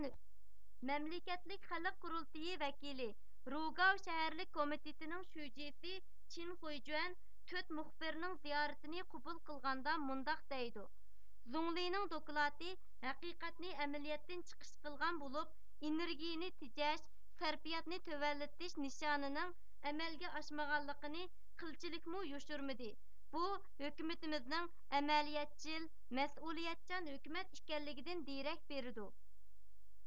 مەملىكەتلىك خەلق قۇرۇلتىيى ۋەكىلى رۇگاۋ شەھەرلىك كومىتېتنىڭ شۇجىسى چېنخۈيجۆەن تۆت مۇخبىرنىڭ زىيارىتىنى قوبۇل قىلغاندا مۇنداق دەيدۇ زۇڭلىنىڭ دوكلاتى ھەقىقەتنى ئەمەلىيەتتىن چىقىش قىلغان بولۇپ ئېنېرگىيىنى تېجەش سەرپىياتنى تۆۋەنلىتىش نىشانىنىڭ ئەمەلگە ئاشمىغانلىقىنى قىلچىلىكمۇ يوشۇرمىدى بۇ ھۆكۈمىتىمىزنىڭ ئەمەلىيەتچىل مەسئۇلىيەتچان ھۆكۈمەت ئىكەنلىكىدىن دېرەك بېرىدۇ